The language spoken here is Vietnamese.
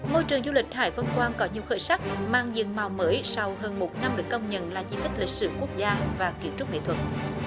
môi trường du lịch hải vân quan có nhiều khởi sắc mang diện mạo mới sau hơn một năm được công nhận là di tích lịch sử quốc gia và kiến trúc nghệ thuật